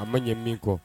A ma ɲɛ min kɔ